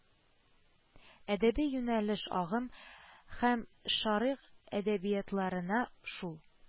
Әдәби юнәлеш-агым һәм шәрык әдәбиятларына, шул